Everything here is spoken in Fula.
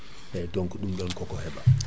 eyyi donc ɗum ɗon koko heeɓa